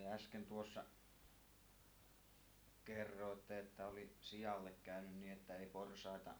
te äsken tuossa kerroitte että oli sialle käynyt niin että ei porsaita